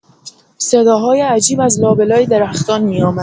صداهای عجیب از لابه‌لای درختان می‌آمد.